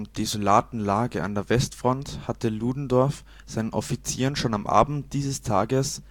desolaten Lage an der Westfront hatte Ludendorff seinen Offizieren schon am Abend dieses Tages